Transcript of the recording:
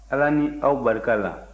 ala ni aw barika la